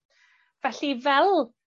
Felly fel